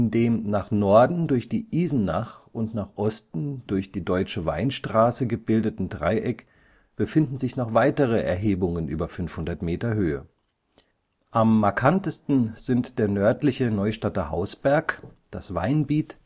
dem nach Norden durch die Isenach und nach Osten durch die Deutsche Weinstraße gebildeten Dreieck befinden sich noch weitere Erhebungen über 500 m Höhe. Am markantesten sind der nördliche Neustadter Hausberg, das Weinbiet